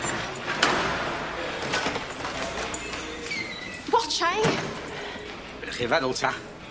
Watsa 'i! Be' 'dych chi feddwl ta?